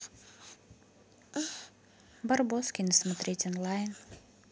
барбоскины смотреть онлайн